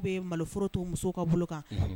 Dɔw bɛ malooro to musow ka bolo kan